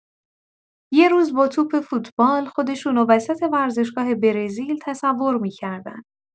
یه روز با توپ فوتبال، خودشونو وسط ورزشگاه برزیل تصور می‌کردن.